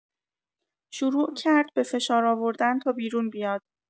شروع کرد به فشار آوردن تا بیرون بیاد.